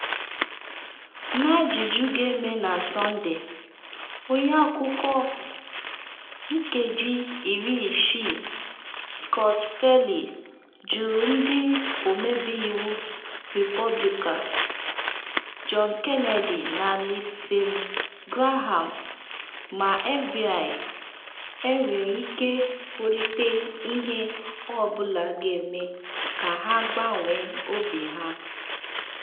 N’ajụjụ ga-eme na Sọnde, onye akụkọ “60 Minutes” Scott Pelley jụrụ ndị Ọmebe Iwu Repọblikan John Kennedy na Lindsey Graham ma FBI enwere ike bọlite ihe ọ bụla ga-eme ka ha gbanwee obi ha.